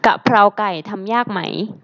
กะเพราไก่ทำยากไหม